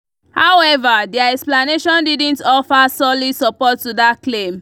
However, their explanation didn’t offer solid support to that claim: